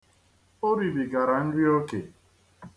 O ribigara nri oke